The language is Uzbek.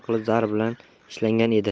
qilib zar bilan ishlangan edi